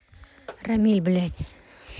рамиль блядь